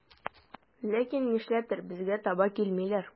Ләкин нишләптер безгә таба килмиләр.